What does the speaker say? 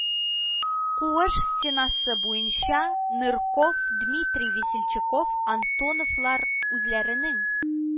Куыш стенасы буенча Нырков, Дмитрий Весельчаков, Антоновлар үзләренең